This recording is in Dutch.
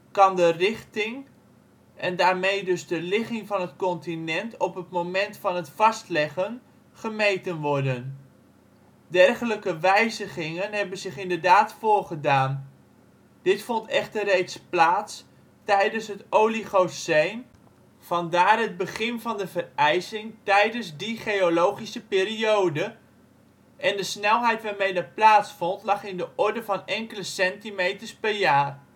kan de richting, en daarmee dus de ligging van het continent op het moment van het vastleggen gemeten worden. Dergelijke wijzigingen hebben zich inderdaad voorgedaan. Dit vond echter reeds plaats tijdens het Oligoceen (vandaar het begin van de verijzing tijdens die geologische periode) en de snelheid waarmee dat plaatsvond lag in de orde van enkele centimeters per jaar